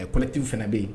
A ye kɔti fana bɛ yen